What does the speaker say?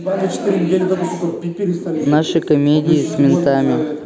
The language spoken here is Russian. наши комедии с ментами